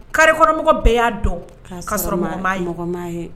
Karikɔrɔmɔgɔ bɛɛ y'a dɔn k' ye